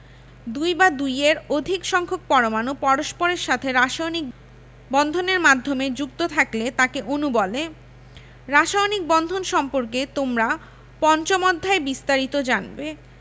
দুই বা দুইয়ের অধিক সংখ্যক পরমাণু পরস্পরের সাথে রাসায়নিক বন্ধন এর মাধ্যমে যুক্ত থাকলে তাকে অণু বলে রাসায়নিক বন্ধন সম্পর্কে তোমরা পঞ্চম অধ্যায়ে বিস্তারিত জানবে